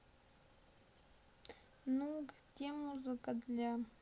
ну где музыка для